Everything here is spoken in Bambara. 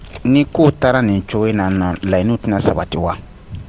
Ni ko taara nin cogo in na na layiɲini tɛna saba ten wa